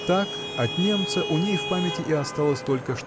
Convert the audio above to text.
Так от немца у ней в памяти и осталось только